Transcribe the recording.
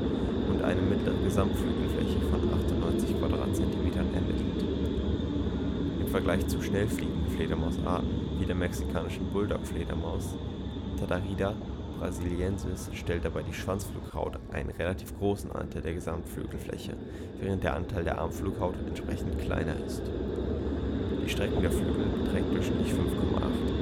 und eine mittlere Gesamtflügelfläche von 98 Quadratzentimetern ermittelt. Im Vergleich zu schnellfliegenden Fledermausarten wie der Mexikanischen Bulldoggfledermaus (Tadarida brasiliensis) stellt dabei die Schwanzflughaut einen relativ großen Anteil der Gesamtflügelfläche, während der Anteil der Armflughaut entsprechend kleiner ist. Die Streckung der Flügel beträgt durchschnittlich 5,8